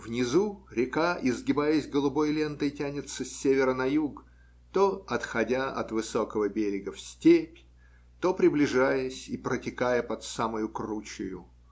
Внизу река, изгибаясь голубой лентой, тянется с севера на юг, то отходя от высокого берега в степь, то приближаясь и протекая под самою кручею.